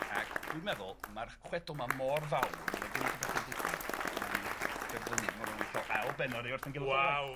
Ac dwi'n meddwl ma'r chwedl 'ma mor fawr, ma' 'na gymaint o bethe'n digwydd yy wnawn ni derfynu dwi'n me'wl rhaid ni ca'l ail bennod i orffen <Culwch ac Olwen. Waw!